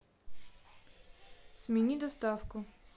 смени доставку